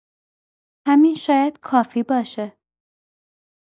همین شاید کافی باشه.